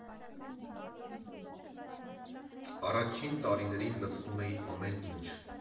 Առաջին տարիներին լցնում էին ամեն ինչ։